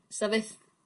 ...sa fyth